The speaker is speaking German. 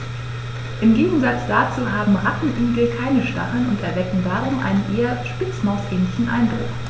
Im Gegensatz dazu haben Rattenigel keine Stacheln und erwecken darum einen eher Spitzmaus-ähnlichen Eindruck.